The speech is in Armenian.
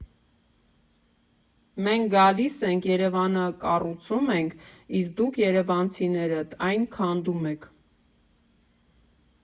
Մենք գալիս ենք, Երևանը կառուցում ենք, իսկ դուք՝ երևանցիներդ, այն քանդում եք։